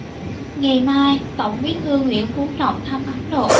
ngày mai tổng bí thư nguyễn phú trọng thăm ấn độ